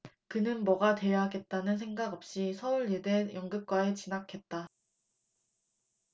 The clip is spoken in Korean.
그는 뭐가 돼야겠다는 생각 없이 서울예대 연극과에 진학했다